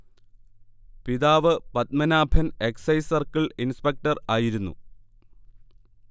പിതാവ് Padmanabhan excise circle inspector ആയിരുന്നു